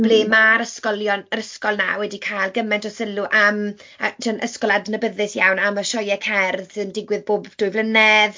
Ble mae'r ysgolion... yr ysgol 'na wedi cael gymaint o sylw am... a tibod yn ysgol adnabyddus iawn am y sioeau cerdd sy'n digwydd bob dwy flynedd.